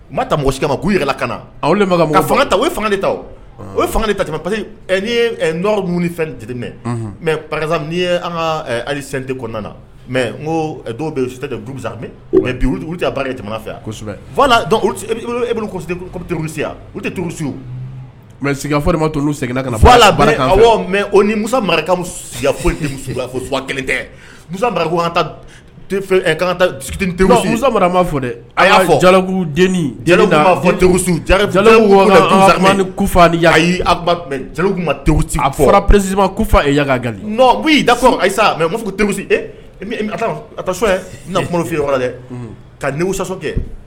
U ma ta mɔsi kama ma k'u yɛlɛla fanga ta o ye fanga ta o ta tɛmɛ pa n'i ye minnu ni fɛn jate mɛ mɛ n'i ye an ka ali selite kɔnɔna na mɛ n ko dɔw bɛ mɛ tɛ tɛmɛ fɛ asiya u tɛsu mɛ skafɔ ma seginna mɛ o ni kelen fɔ dɛ a y'a ja fɔ ja kuku a fɔra psimaga ayi mɛ tesi e so na kuma fi la dɛ ka saso kɛ